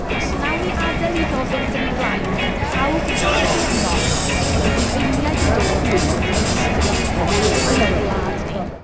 Os wnawn ni adael iddo fynd yn ei flaen, bydd pawb yn credu ynddo. Bydd y Rhufeiniaid yn dod ac yn dinistrio'ch teml â'n gwlad ni.